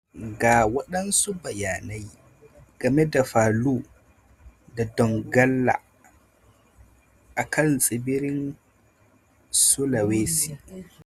Ga wadansu bayanai game da Palu da Donggala, akan tsibirin Sulawesi: